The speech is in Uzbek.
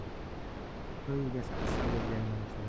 to'y egasi astoydil yalina boshladi